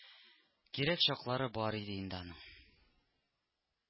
Кирәк чаклары бар иде инде аның